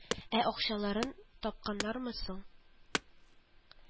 Ә акчаларын тапканнармы соң